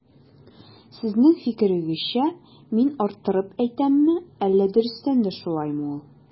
Сезнең фикерегезчә мин арттырып әйтәмме, әллә дөрестән дә шулаймы ул?